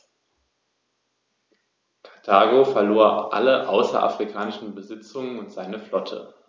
Karthago verlor alle außerafrikanischen Besitzungen und seine Flotte.